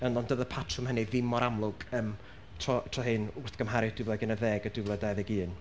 yym ond oedd y patrwm hynny ddim mor amlwg, yym tro tro hyn, wrth gymharu dwy fil ac unarddeg a dwy fil a dau ddeg un.